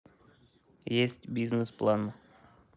есть бизнес план